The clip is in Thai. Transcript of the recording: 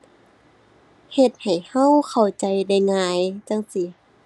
เฮ็ดให้เราเข้าใจได้ง่ายจั่งซี้